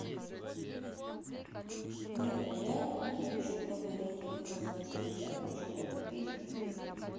нет я не хочу говорить о философии я хочу вам песню спеть